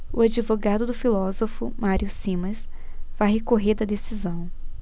o advogado do filósofo mário simas vai recorrer da decisão